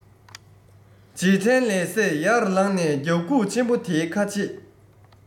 རྗེས དྲན ལས སད ཡར ལངས ནས རྒྱབ ཁུག ཆེན པོ དེའི ཁ ཕྱེས